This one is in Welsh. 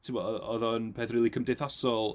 Timod oedd oedd o'n peth rili cymdeithasol.